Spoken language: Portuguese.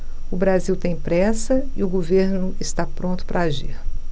o brasil tem pressa e o governo está pronto para agir